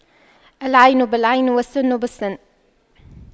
العين بالعين والسن بالسن